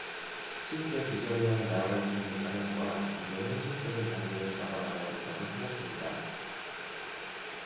실제 비전을 향해 나아갈 수 있는 방향과 좀 더 현실적인 단계를 잡아 나가야 한다고 생각합니다